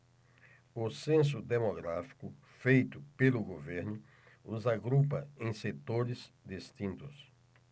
o censo demográfico feito pelo governo os agrupa em setores distintos